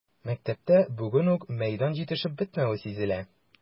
Мәктәптә бүген үк мәйдан җитешеп бетмәве сизелә.